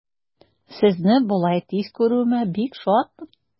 Сезне болай тиз күрүемә бик шатмын.